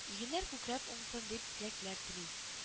Игеннәр күкрәп уңсын, дип теләкләр тели